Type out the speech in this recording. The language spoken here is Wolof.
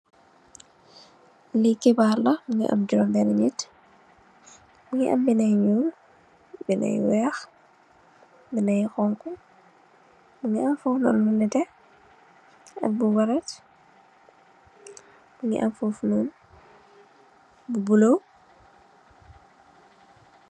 Lii xibaar la mingi am juroom-benne nit, mu ngi am bind yu nyuul, bind yu weex, bind yu xonxu, mingi am fuf nun lu nete, ak bu yelet, mingi am fufu lu bula.